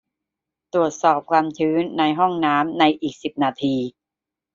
ตรวจสอบความชื้นในห้องน้ำในอีกสิบนาที